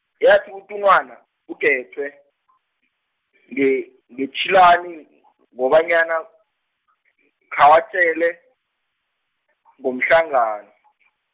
yathi utunwana, uGethwe, nge ngetshilani ngobanyana, khawatjele, ngomhlangano.